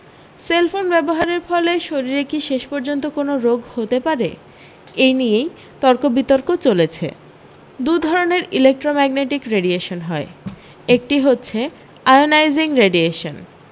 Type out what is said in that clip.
cellphone ব্যবহারের ফলে শরীরে কী শেষ পর্যন্ত কোনও রোগ হতে পারে এই নিয়েই তর্কবিতর্ক চলেছে দু ধরণের ইলেকট্রোম্যাগনেটিক রেডিয়েশন হয় একটি হচ্ছে আয়োনাইজিং রেডিয়েশন